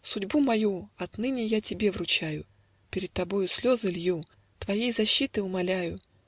Судьбу мою Отныне я тебе вручаю, Перед тобою слезы лью, Твоей защиты умоляю.